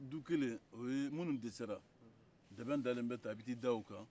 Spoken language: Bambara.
du kelen o ye minnu dɛsɛra tɛbɛn dalen bɛ ta i bɛ t'i da o kan